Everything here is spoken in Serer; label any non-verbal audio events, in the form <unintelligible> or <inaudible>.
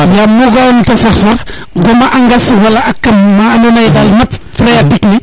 yaam mu ga ona te sax sax o gama a ngas wala kam ma ando naye ka mat <unintelligible>